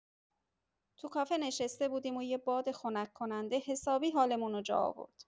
تو کافه نشسته بودیم و یه باد خنک‌کننده حسابی حالمونو جا آورد.